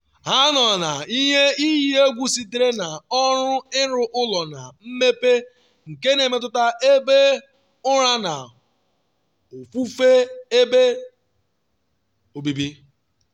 Ha nọ n’ihe iyi egwu sitere na ọrụ ịrụ ụlọ na mmepe nke na-emetụta ebe ụra na ofufu ebe obibi.